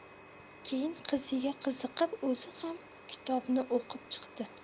keyin qiziga qiziqib o'zi ham kitobni o'qib chiqdi